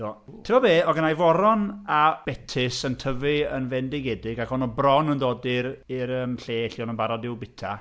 Do. Ti'n gwbod be? Oedd genna i foron a betys yn tyfu yn fendigedig, ac o'n nhw bron yn dod i'r i'r yym lle lle o'n nhw'n barod i'w byta.